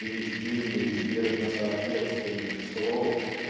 в гнезде неизбежно соответственных слов